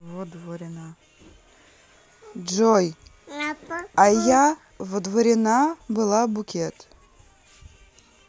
джой а я водворена была букет